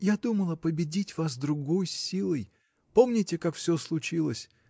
— Я думала победить вас другой силой. Помните, как всё случилось?